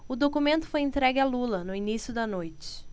o documento foi entregue a lula no início da noite